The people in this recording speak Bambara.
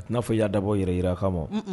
A t'a fɔ y ya dabɔ yɛrɛ jirara kama ma